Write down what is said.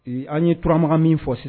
Ee an ye turamakan min fɔ sis